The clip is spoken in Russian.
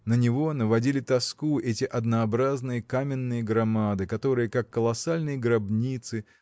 на него наводили тоску эти однообразные каменные громады которые как колоссальные гробницы